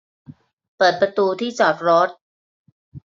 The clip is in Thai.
เปิดประตูที่จอดรถ